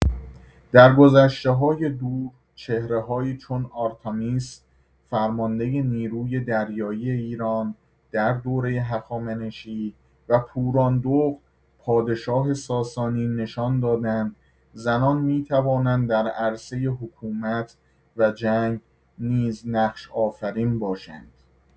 در گذشته‌های دور چهره‌هایی چون آرتامیس فرمانده نیروی دریایی ایران در دوره هخامنشی و پوراندخت پادشاه ساسانی نشان دادند زنان می‌توانند در عرصه حکومت و جنگ نیز نقش‌آفرین باشند.